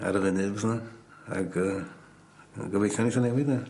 Ar y funud beth bynna. Ag yy a'n gobeithio neith o newid 'na.